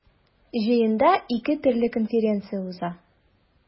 Җыенда ике төрле конференция уза.